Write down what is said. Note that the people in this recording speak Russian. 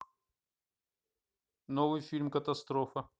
новый фильм катастрофа